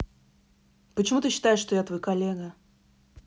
почему ты считаешь что я твой коллега